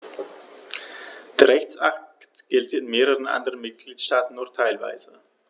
Der Rechtsakt gilt in mehreren anderen Mitgliedstaaten nur teilweise.